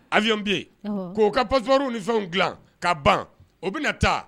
Ay bɛ yen k'o ka panzsarraw ni fɛnw dila k ka ban o bɛ na taa